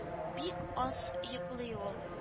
Бик аз йоклый ул